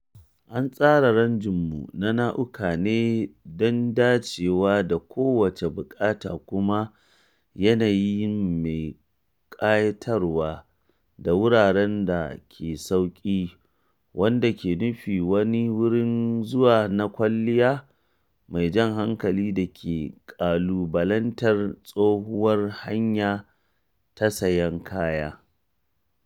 An tsara ranjinmu na nau’uka ne don dacewa da kowace buƙata kuma yanayin mai ƙayatarwa da wuraren da ke sauki wanda ke nufin wani wurin zuwa na kwalliya mai jan hankali da ke ƙalubalantar tsohuwar hanya ta sayan kaya.”